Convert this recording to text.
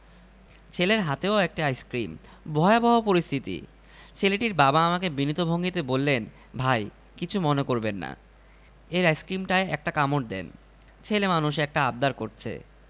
ছেলের হাতেও একটা আইসক্রিম ভয়াবহ পরিস্থিতি ছেলেটির বাবা আমাকে বিনীত ভঙ্গিতে বললেন ভাই কিছু মনে করবেন না এর আইসক্রিমটায় একটা কামড় দেন ছেলে মানুষ একটা আবদার করছে